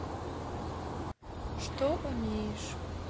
что умеешь